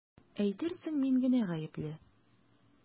Әйтерсең мин генә гаепле!